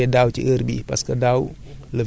mais daal ñu xamante ni ñu xam ne daal